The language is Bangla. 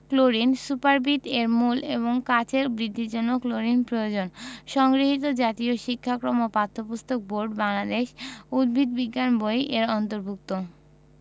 ক্লোরিন সুপারবিট এর মূল এবং কাণ্ডের বৃদ্ধির জন্য ক্লোরিন প্রয়োজন সংগৃহীত জাতীয় শিক্ষাক্রম ও পাঠ্যপুস্তক বোর্ড বাংলাদেশ উদ্ভিদ বিজ্ঞান বই এর অন্তর্ভুক্ত